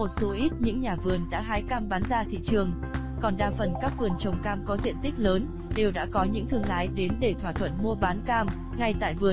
một số ít những nhà vườn đã hái cam bán ra thị trường còn đa phần các vườn trồng cam có diện tích lớn đều đã có những thương lái đến để thỏa thuận mua bán cam ngay tại vườn